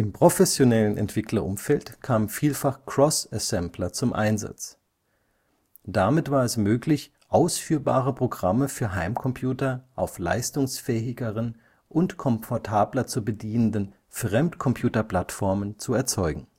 professionellen Entwicklerumfeld kamen vielfach Cross-Assembler zum Einsatz. Damit war es möglich, ausführbare Programme für Heimcomputer auf leistungsfähigeren und komfortabler zu bedienenden Fremdcomputerplattformen zu erzeugen